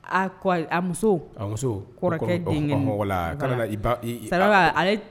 A kɔrɔkɛ denkɛ mɔgɔ la ka sara